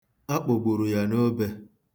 A kpọgburu ya n'obe.